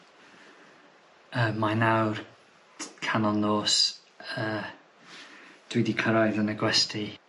Yy mae nawr canol nos yy dwi 'di cyrraedd yn y gwesty.